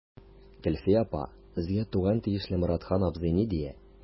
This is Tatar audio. Гөлфия апа, безгә туган тиешле Моратхан абзый ни дия.